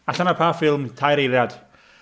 Allan mae pa ffilm. Tair eiliad.